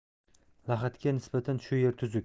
lahadga nisbatan shu yer tuzuk